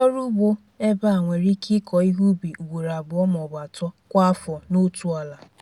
Ndị ọrụ ugbo ebe a nwere ike ịkọ ihe ubi ugboro abụọ maọbụ atọ kwa afọ n'otu ala.